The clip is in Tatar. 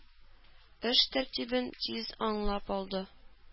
Эш тәртибен тиз аңлап алды.